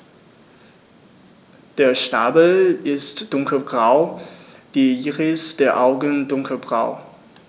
Der Schnabel ist dunkelgrau, die Iris der Augen dunkelbraun.